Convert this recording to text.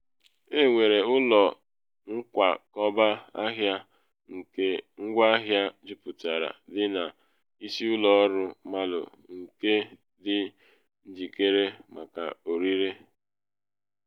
Enwere ụlọ nkwakọba ahịa nke ngwaahịa juputara dị na Isi Ụlọ Ọrụ Marlow nke dị njikere maka ọrịre.”